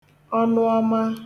ọnụ ọma